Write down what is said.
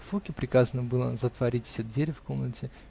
Фоке приказано было затворить все двери в комнате.